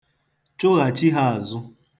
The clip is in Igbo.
Chụghachi ha azụ